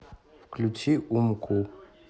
включи умку